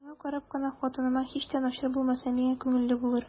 Моңа карап кына хатыныма һич тә начар булмас, ә миңа күңелле булыр.